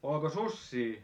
oliko susia